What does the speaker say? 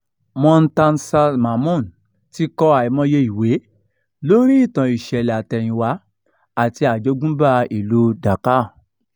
Muntasir Mamun ti kọ àìmọye ìwé lóríi ìtàn-ìṣẹ̀lẹ̀-àtẹ̀yìnwá àti àjogúnbá ìlúu Dhaka.